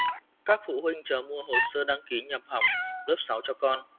các phụ huynh chờ mua hồ sơ đăng ký nhập học lớp sáu cho con